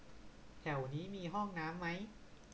แถวนี้มีห้องน้ำมั้ย